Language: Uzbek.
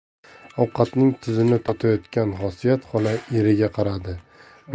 ovqatning tuzini totayotgan xosiyat xola eriga qaradi